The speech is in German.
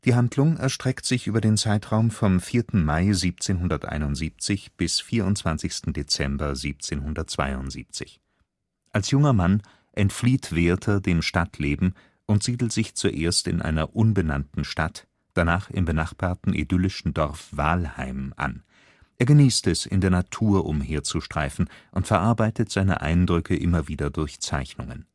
Handlung erstreckt sich über den Zeitraum vom 4. Mai 1771 bis 24. Dezember 1772. Als junger Mann entflieht Werther dem Stadtleben und siedelt sich zuerst in einer unbenannten Stadt, danach im benachbarten idyllischen Dorf „ Wahlheim “an. Er genießt es, in der Natur umherzustreifen, und verarbeitet seine Eindrücke immer wieder durch Zeichnungen